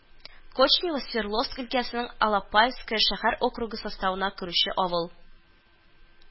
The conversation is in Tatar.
Кочнева Свердловск өлкәсенең Алапаевское шәһәр округы составына керүче авыл